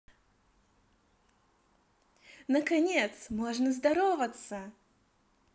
наконец можно здороваться